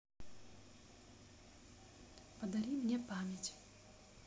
подари мне память